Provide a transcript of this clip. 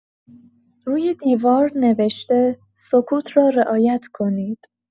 روی دیوار نوشته سکوت را رعایت کنید